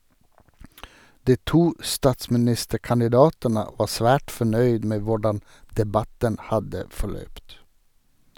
De to statsministerkandidatene var svært fornøyd med hvordan debatten hadde forløpt.